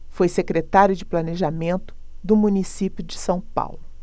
foi secretário de planejamento do município de são paulo